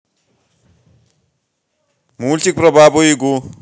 мультики про бабу ягу